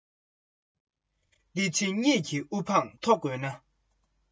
མི རྟག འཆི བ མ བརྗེད སེམས ལ ཞོག